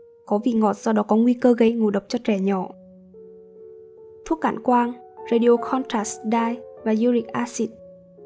có vị ngọt do đó có nguy cơ gây ngộ độc cho trẻ nhỏ thuốc cản quang và uric acid